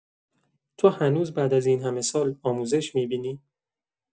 تو هنوز بعد از این همه سال آموزش می‌بینی؟